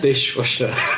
Dishwasher.